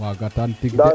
wagataan tige de